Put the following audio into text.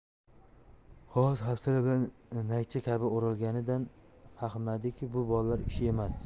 qog'oz hafsala bilan naycha kabi o'ralganidan fahmladiki bu bolalar ishi emas